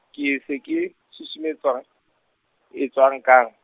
ke se ke, susumetswang, e tswang kar-.